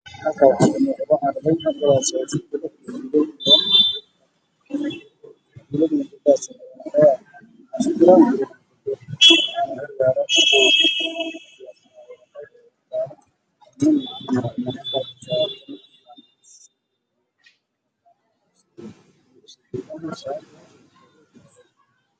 Halkaan waxaa ka muuqdo arday u fadhida imtixaan ka dharkooda gabdhaha xijaab jaalo wiilasha shaati jaalo